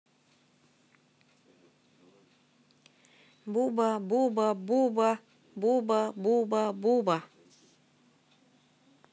буба буба буба буба буба буба